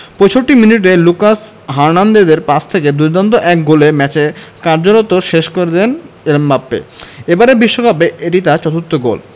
৬৫ মিনিটে লুকাস হার্নান্দেজের পাস থেকে দুর্দান্ত এক গোলে ম্যাচ এ কার্যত শেষ করে দেন এমবাপ্পে এবারের বিশ্বকাপে এটি তার চতুর্থ গোল